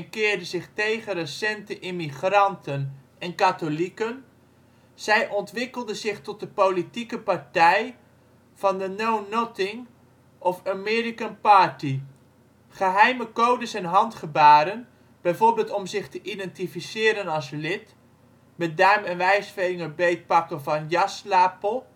keerde zich tegen recente immigranten en katholieken. Zij ontwikkelde zich tot de politieke partij van de Know-Nothings of American Party. Geheime codes en handgebaren, bijvoorbeeld om zich te identificeren als lid (met duim en wijsvinger beetpakken van jaslapel